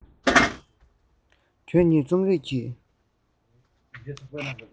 ཁྱོད ཉིད རྩོམ རིག གི